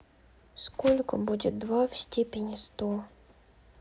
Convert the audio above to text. сколько будет два в степени сто